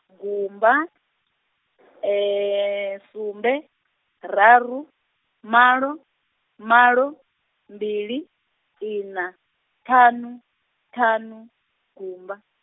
gumba, sumbe, raru, malo, malo, mbili, ina, ṱhanu, ṱhanu, gumba.